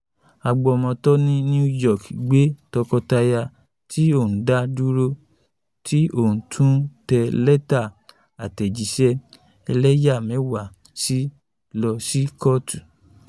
Agbọmọtọ́ ní New York gbé tọkọtaya t’ọ́n da dúró, t’ọ́n tú tẹ lẹ́tà àtẹ̀jíṣẹ́ ẹlẹ́yàmẹyà si lọ sí kọ́ọ̀tù.